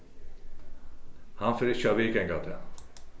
hann fer ikki at viðganga tað